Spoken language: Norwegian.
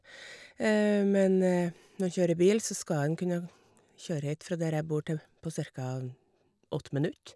Men når en kjører bil, så skal en kunne kjøre hit fra der jeg bor te på cirka en åtte minutter.